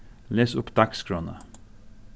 les upp dagsskránna